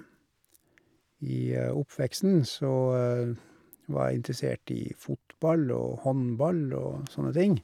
I oppveksten så var jeg interessert i fotball og håndball og sånne ting.